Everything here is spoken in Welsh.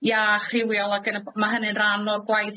iach rhywiol ag yn y b- ma' hynny'n ran o'r gwaith